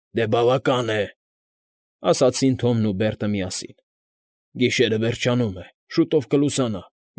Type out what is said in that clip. ֊ Դե բավական է,֊ ասացին Թոմն ու Բերտը միասին։֊ Գիշերը վերջանում է, շուտով կլուսանա։